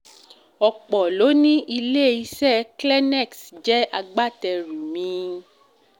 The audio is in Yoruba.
”Ọ̀pọ̀ ló ní ile-iṣẹ́ Kleenex jẹ́ agbátẹrù mi.